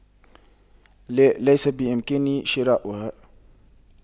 لاء ليس بإمكاني شراءها